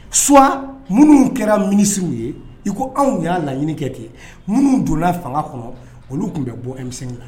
Suwa minnu kɛra miniw ye i ko anw y'a laɲini kɛ minnu donna fanga kɔnɔ olu tun bɛ bɔɛmisɛnnin la